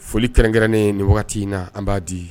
Foli kɛrɛnkɛrɛnnen nin waati in na, an b'a di